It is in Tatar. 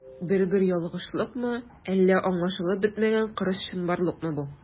Бер-бер ялгышлыкмы, әллә аңлашылып бетмәгән кырыс чынбарлыкмы бу?